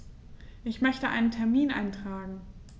Ich möchte einen Termin eintragen.